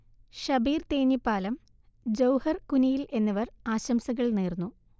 ഷബീർ തേഞ്ഞിപ്പാലം, ജൗഹർ കുനിയിൽ എന്നിവർ ആശംസകൾ നേർന്നു